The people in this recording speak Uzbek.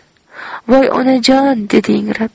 voy onajon a dedi ingrab